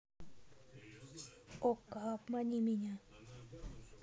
okko обмани меня